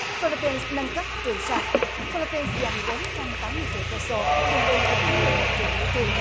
phi líp pin nâng cấp trường sa phi líp pin dành bốn trăm tám mươi triệu pê sô tương đương gần mười một triệu mỹ kim